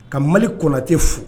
Ka Maliki konatɛ fo